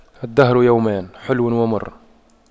الدهر يومان حلو ومر